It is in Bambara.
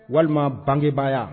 Walima bangegebaa